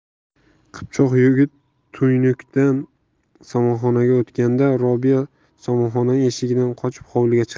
qipchoq yigit tuynukdan somonxonaga o'tganda robiya somonxonaning eshigidan qochib hovliga chiqdi